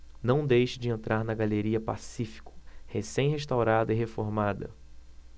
não deixe de entrar na galeria pacífico recém restaurada e reformada